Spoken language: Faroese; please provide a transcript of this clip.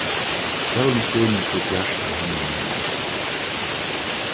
sólin skínur so bjart á himlinum í dag